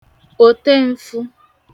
òtenfụ